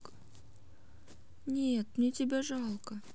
нет мне тебя жалко